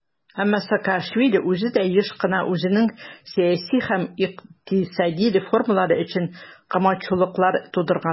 Әмма Саакашвили үзе дә еш кына үзенең сәяси һәм икътисади реформалары өчен комачаулыклар тудырган.